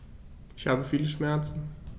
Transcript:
Ich habe viele Schmerzen.